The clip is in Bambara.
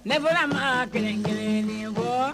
Ne fɔra ma kelen kelen kɔ